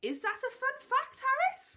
Is that a fun fact, Harris?